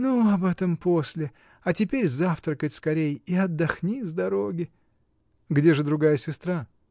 — Ну, об этом после, а теперь завтракать скорей и отдохни с дороги. — Где же другая сестра?